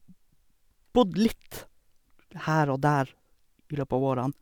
Bodd litt her og der i løpet av årene.